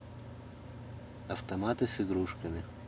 автоматы с игрушками